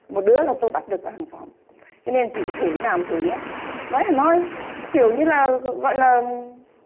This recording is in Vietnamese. một đứa là tôi bắt được ở hàng xóm cho nên chị thử thế nào mà thử nhớ nói hẳn hoi kiểu như là gọi là